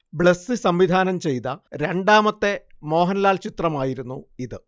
ബ്ലെസ്സി സംവിധാനം ചെയ്ത രണ്ടാമത്തെ മോഹൻലാൽ ചിത്രമായിരുന്നു ഇത്